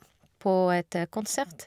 På et konsert.